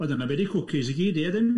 Wedyn ma' be' di cookies i gyd ie ddim?